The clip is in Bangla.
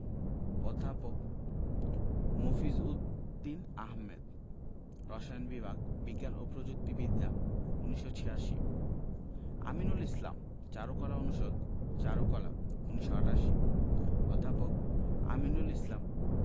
অধ্যাপক মফিজ উদ দীন আহমেদ রসায়ন বিভাগ বিজ্ঞান ও প্রযুক্তি বিদ্যা ১৯৮৬ আমিনুল ইসলাম চারুকলা অনুষদ চারুকলা ১৯৮৮ অধ্যাপক আমিনুল ইসলাম